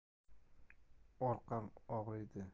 orqam og'riydi